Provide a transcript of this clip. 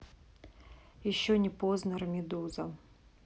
еще не познер медуза